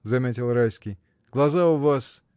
— заметил Райский, — глаза у вас.